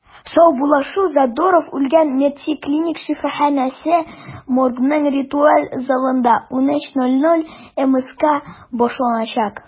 Саубуллашу Задорнов үлгән “МЕДСИ” клиник шифаханәсе моргының ритуаль залында 13:00 (мск) башланачак.